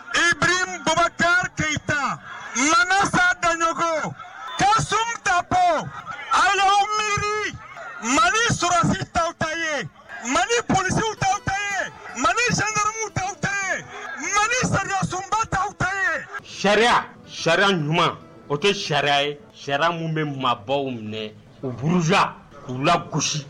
I bɛta keyita ta ma sataj ka sunta ala mi mali ssi tɔw ta ye mali psi dɔw tɛ mali saka dɔw tɛ mali sa sunba taye sariya sariya ɲuman o kɛ sariya ye sariya minnu bɛ mabɔbaww minɛ uuru z u la gosi